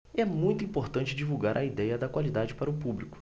é muito importante divulgar a idéia da qualidade para o público